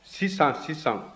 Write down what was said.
sisan sisan